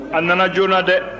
a nana joona dɛ